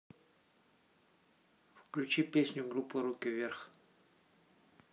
включи песню группы руки вверх